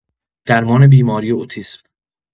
درمان بیماری اوتیسم